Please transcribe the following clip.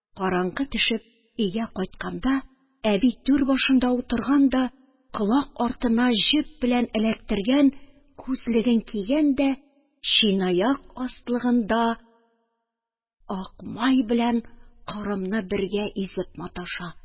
Караңгы төшеп өйгә кайтканда, әби түр башында утырган да, колак артларына җеп белән эләктергән күзлеген кигән дә, чынаяк астлыгында ак май белән корымны бергә изеп маташа